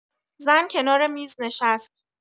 زن کنار میز نشست.